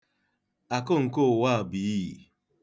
Akụ nke ụwa a bụ iyi.